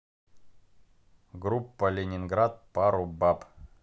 группа ленинград пару баб